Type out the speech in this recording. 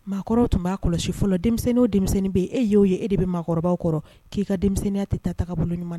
Maakɔrɔw tun b'a kɔlɔsi fɔlɔ denmisɛnnin denmisɛnnin bɛ e ye'o ye e de bɛ maakɔrɔba kɔrɔ k'i ka denmisɛnninya tɛ ta taga bolo ɲuman na